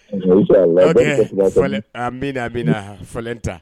A min a bɛna falen ta